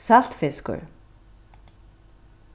saltfiskur